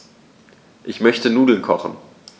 Ich möchte Nudeln kochen.